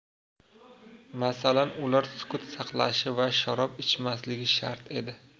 masalan ular sukut saqlashi va sharob ichmasligi shart edi